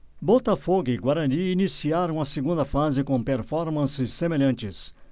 botafogo e guarani iniciaram a segunda fase com performances semelhantes